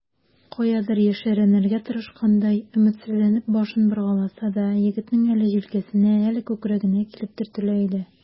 Каядыр яшеренергә тырышкандай, өметсезләнеп башын боргаласа да, егетнең әле җилкәсенә, әле күкрәгенә килеп төртелә иде.